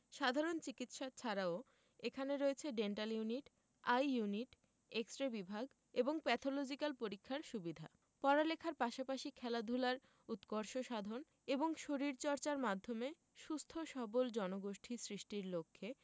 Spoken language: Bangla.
সাধারণ চিকিৎসা ছাড়াও এখানে রয়েছে dental unit eye unit X ray বিভাগ এবং প্যাথলজিক্যাল পরীক্ষার সুবিধা পড়ালেখার পাশাপাশি খেলাধুলার উৎকর্ষ সাধন এবং শরীরচর্চার মাধ্যমে সুস্থ সবল জনগোষ্ঠী সৃষ্টির লক্ষ্যে